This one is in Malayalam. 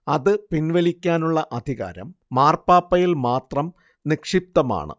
അത് പിൻവലിക്കാനുള്ള അധികാരം മാർപ്പാപ്പയിൽ മാത്രം നിക്ഷിപ്തമാണ്